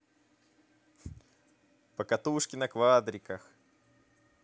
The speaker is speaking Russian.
покатушки на квадриках